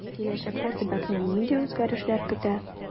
Киләчәктә төбәкне нинди үзгәрешләр көтә?